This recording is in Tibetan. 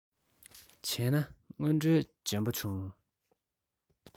བྱས ན ཁྱེད རང དངོས འབྲེལ འཇོན པོ བྱུང